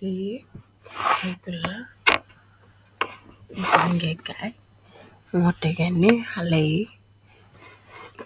Li fetla b bongegaay mo teganni xale yi